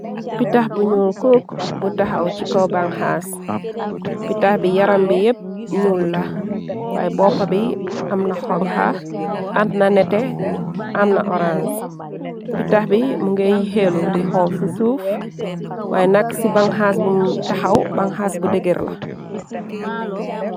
Pitah bu njull cook bu texaw chi kaw baŋxaas, pitax bi yaram bi yehp njull la, waaye boppa bi amna xonha, amna nehteh, amna ohrange, pitah bi mungeh xelu di horl ci suff, waaye nak ci banxaas bum taxaw, banxaas bu dehgerre la.